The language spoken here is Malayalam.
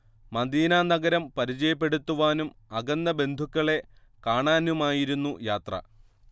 മദീന നഗരം പരിചയപ്പെടുത്തുവാനും അകന്ന ബന്ധുക്കളെ കാണാനുമായിരുന്നു യാത്ര